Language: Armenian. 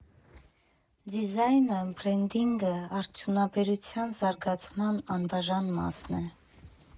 Դիզայնը, բրենդինգը՝ արդյունաբերության զարգացման անբաժանմասն է։